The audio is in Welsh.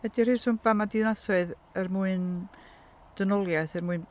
Ydy'r rheswm pam ma' dinasoedd er mwyn dynoliaeth, er mwyn...